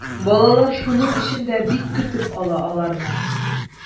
Балалар шуның өчен дә бик көтеп ала аларны.